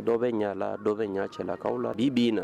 Dɔw bɛ ɲɛla dɔw bɛ ɲɛ cɛlalakaw la bi' na